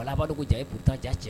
Balabaadugu ja yeuruta ja cɛ